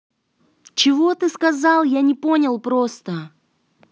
чего ты сказал я не понял просто